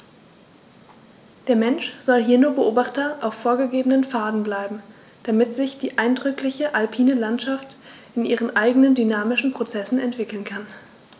Der Mensch soll hier nur Beobachter auf vorgegebenen Pfaden bleiben, damit sich die eindrückliche alpine Landschaft in ihren eigenen dynamischen Prozessen entwickeln kann.